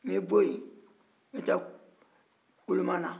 n bɛ bɔ yen n bɛ taa folomana